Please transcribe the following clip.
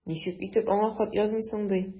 Ничек итеп аңа хат язмыйсың ди!